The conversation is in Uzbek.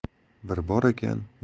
bir bor ekan